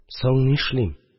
Соң, нишлим?